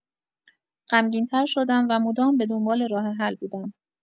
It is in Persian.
غمگین‌تر شدم، و مدام به دنبال راه‌حل بودم.